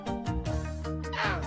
San